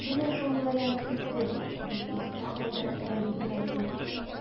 Менә шул вариант үтте, дип искә алды Разил Вәлиев.